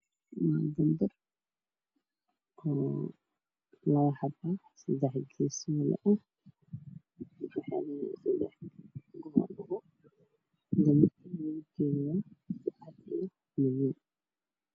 Waa gambar laba haba midabkiisu yahay caddaan madow dhulka waa caddeys